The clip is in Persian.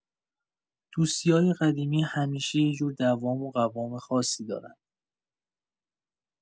دوستیای قدیمی همیشه یه جور دوام و قوام خاصی دارن.